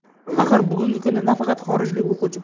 axir bugungi kunda nafaqat xorijlik o'quvchi